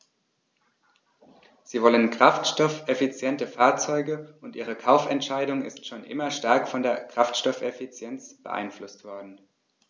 Sie wollen kraftstoffeffiziente Fahrzeuge, und ihre Kaufentscheidung ist schon immer stark von der Kraftstoffeffizienz beeinflusst worden.